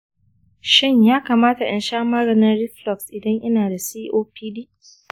shin ya kamata in sha maganin reflux idan ina da copd?